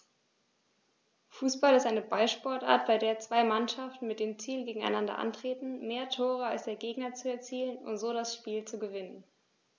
Fußball ist eine Ballsportart, bei der zwei Mannschaften mit dem Ziel gegeneinander antreten, mehr Tore als der Gegner zu erzielen und so das Spiel zu gewinnen.